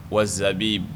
Wa zsaayi